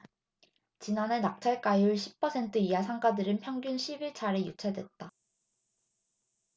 지난해 낙찰가율 십 퍼센트 이하 상가들은 평균 십 일 차례 유찰됐다